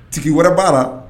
Tigi wɛrɛ b'a la